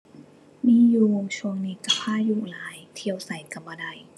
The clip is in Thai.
มีอยู่ ช่วงนี้ก็พายุหลาย เที่ยวไสก็บ่ได้